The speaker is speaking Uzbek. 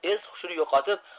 es hushini yo'qotib